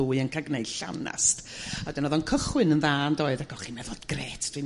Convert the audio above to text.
ddwy yn ca' g'neud llanast. A 'dyn o'dd o'n cychwyn yn dda yndoedd ac o'ch chi'n meddwl gret dwi'n